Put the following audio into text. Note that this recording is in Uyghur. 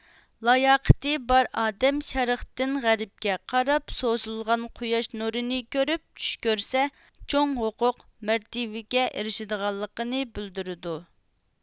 لاياقىتى بار ئادەم شەرقتىن غەربكە قاراپ سوزۇلغان قوياش نۇرىنى كۆرۈپ چۈش كۆرسە چوڭ ھوقوق مەرتىۋىگە ئېرىشىدىغانلىقىنى بىلدۈرىدۇ